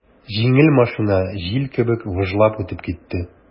Җиңел машина җил кебек выжлап үтеп китте.